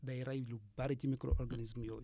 day rey lu bëri ci micro organisme yooyu